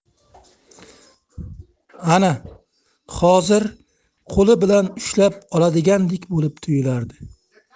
ana hozir qo'li bilan ushlab oladigandek bo'lib tuyulardi